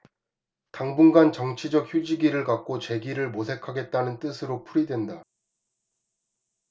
당분간 정치적 휴지기를 갖고 재기를 모색하겠다는 뜻으로 풀이된다